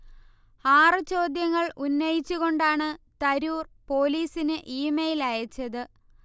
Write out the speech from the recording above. ആറ് ചോദ്യങ്ങൽ ഉന്നയിച്ചുകൊണ്ടാണ് തരൂർ പൊലീസിന് ഇമെയ്ൽ അയച്ചത്